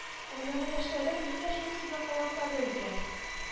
Әңгәмәдәшләрем нигә шул сүзне кабатлады икән